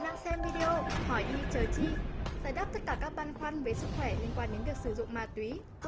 các bạn đang xem video hỏi đi chờ chi giải đáp tất cả băn khoăn về sức khỏe liên quan tới việc sử dụng ma túy